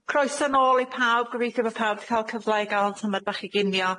Croeso nôl i pawb, gobeithio bo' pawb ca'l cyfle i ga'l tamad bach i ginio.